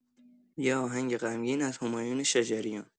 یه آهنگ غمگین از همایون شجریان